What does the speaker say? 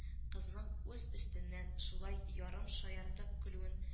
Кызның үз өстеннән шулай ярым шаяртып көлүен